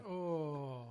O!